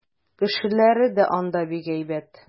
Кешеләре дә анда бик әйбәт.